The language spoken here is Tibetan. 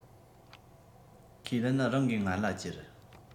ཁས ལེན རང གིས ང ལ ཅེར